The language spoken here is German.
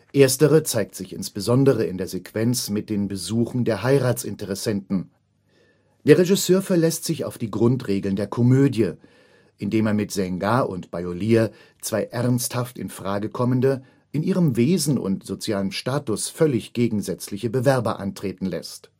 Erstere zeigt sich insbesondere in der Sequenz mit den Besuchen der Heiratsinteressenten. Der Regisseur verlässt sich auf die Grundregeln der Komödie, indem er mit Shenge und Baolier zwei ernsthaft in Frage kommende, in ihrem Wesen und sozialen Status völlig gegensätzliche Bewerber antreten lässt